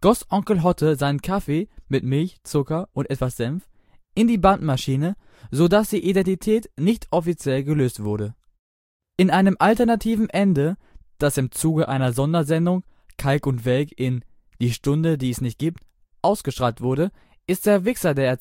goss Onkel Hotte seinen Kaffee – mit Milch, Zucker und etwas Senf – in die Bandmaschine, so dass die Identität nicht offiziell gelöst wurde. In einem alternativen Ende, das im Zuge einer Sondersendung (Kalk und Welk in Die Stunde, die es nicht gibt) ausgestrahlt wurde, ist der Wixxer der